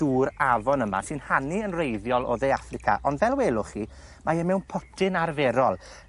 dŵr afon yma sy'n hanu yn reiddiol o dde Affrica ond fel welwch chi mae e mewn potyn arferol